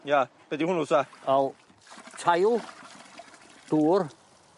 Ia. Be 'di hwn fatha? Wel, tail, dŵr,